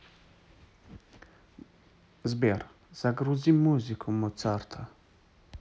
сбер загрузи музыку моцарта